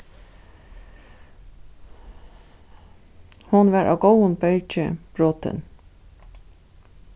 hon var av góðum bergi brotin